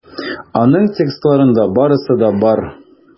Аның текстларында барысы да бар.